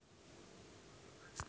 морнинг йога на ютуб